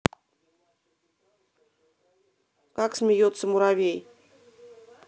как смеется муравей